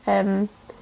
yym